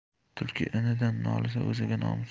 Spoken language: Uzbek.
tulki inidan nolisa o'ziga nomus